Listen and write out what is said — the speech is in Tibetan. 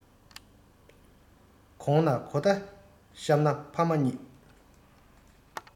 གོང ན གོ བརྡ གཤམ ན ཕ མ གཉིས